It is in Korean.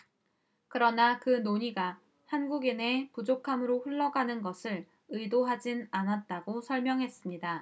그러나 그 논의가 한국인의 부족함으로 흘러가는 것을 의도하진 않았다고 설명했습니다